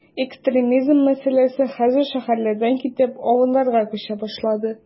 Экстремизм мәсьәләсе хәзер шәһәрләрдән китеп, авылларга “күчә” башлады.